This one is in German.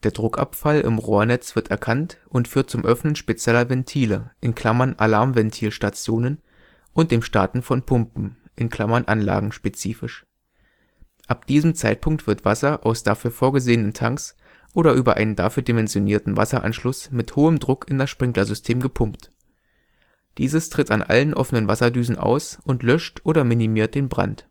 Druckabfall im Rohrnetz wird erkannt und führt zum Öffnen spezieller Ventile (Alarmventilstationen) und dem Starten von Pumpen (anlagenspezifisch). Ab diesem Zeitpunkt wird Wasser aus dafür vorgesehenen Tanks oder über einen dafür dimensionierten Wasseranschluss mit hohem Druck in das Sprinklersystem gepumpt. Dieses tritt an allen offenen Wasserdüsen aus und löscht oder minimiert den Brand